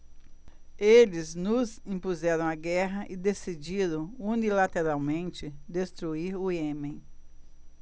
eles nos impuseram a guerra e decidiram unilateralmente destruir o iêmen